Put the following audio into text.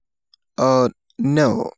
Oh, no.